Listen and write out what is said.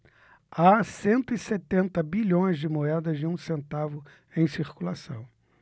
há cento e setenta bilhões de moedas de um centavo em circulação